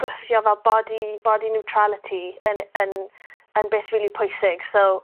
gwthio fel body body neutrality yn yn yn beth rili pwysig, so